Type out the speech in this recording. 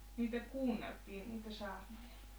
niitä kuunneltiin niitä saarnoja